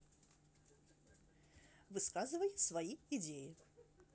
высказывай свои идеи